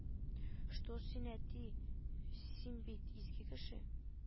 Что син әти син бит изге кеше